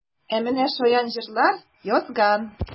Ә менә шаян җырлар язган!